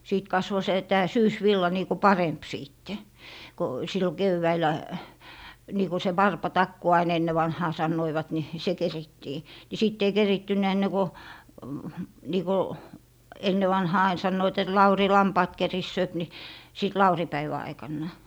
sitten kasvoi se tämä syysvilla niin kuin parempi sitten kun silloin keväällä niin kuin se varpatakku aina ennen vanhaan sanoivat niin se kerittiin niin sitten ei keritty ennen kuin niin kuin ennen vanhaan aina sanoivat että Lauri lampaat keritsee niin sitten laurinpäivän aikana